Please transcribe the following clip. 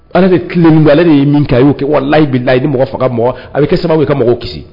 Ala que tilenin ale y' min kɛ a y'o kɛ wa lahi bɛ la i mɔgɔ faga a bɛ kɛ sababu i ka mɔgɔ kisi